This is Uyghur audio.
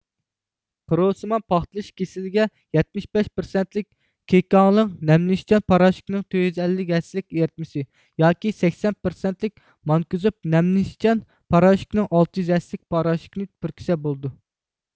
قىروسىمان پاختىلىشىش كېسىلىگە يەتمىش بەش پىرسەنتلىك كېكاڭلىڭ نەملىنىشچان پاراشوكىنىڭ تۆت يۈز ئەللىك ھەسسىلىك ئېرىتمىسى ياكى سەكسەن پىرسەنتلىك مانكوزېب نەملىنىشچان پاراشوكىنىڭ ئالتە يۈز ھەسسىلىك پاراشوكىنى پۈركۈسە بولىدۇ